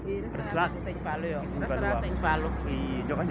restaurant Serigne Fallou yoo restaurant Serigne Fallou